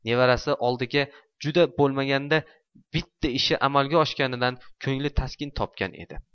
nevarasi oldida juda bo'lmaganda bitta ishi amalga oshganidan ko'ngli taskin topgan edi